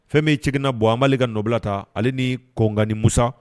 Fɛn min cina bɔ an b'ale ka nɔbilala ta ani ni kokanani musa